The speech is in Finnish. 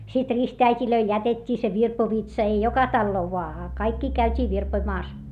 sitten ristiäideille jätettiin se virpovitsa ei joka taloon - a kaikki käytiin virpomassa